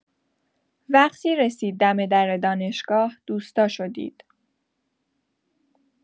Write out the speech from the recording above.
وقتی رسید دم در دانشگاه، دوستاشو دید.